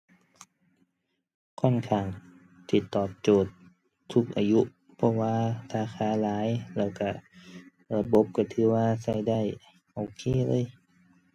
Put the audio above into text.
ค่อนข้างที่ตอบโจทย์ทุกอายุ เพราะว่าสาขาหลายแล้วก็ระบบก็ถือว่าก็ได้ โอเคเลย